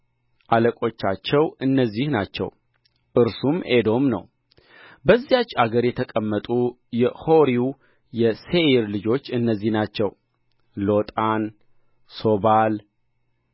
አለቆቻቸው እነዚህ ናቸው እርሱም ኤዶም ነው በዚያች አገር የተቀመጡ የሖሪው የሴይር ልጆች እነዚህ ናቸው ሎጣን ሦባል